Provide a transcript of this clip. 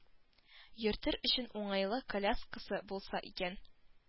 Йөртер өчен уңайлы коляскасы булса икән